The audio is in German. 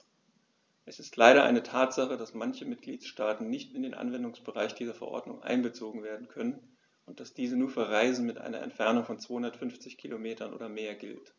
Es ist leider eine Tatsache, dass manche Mitgliedstaaten nicht in den Anwendungsbereich dieser Verordnung einbezogen werden können und dass diese nur für Reisen mit einer Entfernung von 250 km oder mehr gilt.